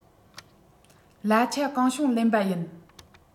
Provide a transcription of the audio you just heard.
གླ ཆ གང བྱུང ལེན པ ཡིན